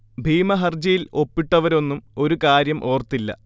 ഭീമ ഹർജിയിൽ ഒപ്പിട്ടവരൊന്നും ഒരു കാര്യം ഓര്‍ത്തില്ല